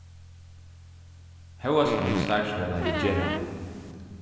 hóast mín starvsfelagi ger hana